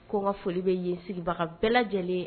Ko n ka foli bɛ yen sigibaga bɛɛ lajɛlen ye